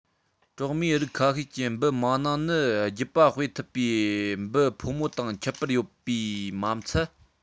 གྲོག མའི རིགས ཁ ཤས ཀྱི འབུ མ ནིང ནི རྒྱུད པ སྤེལ ཐུབ པའི འབུ ཕོ མོ དང ཁྱད པར ཡོད པའི མ ཚད